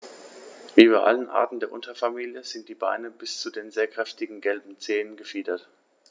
Wie bei allen Arten der Unterfamilie sind die Beine bis zu den sehr kräftigen gelben Zehen befiedert.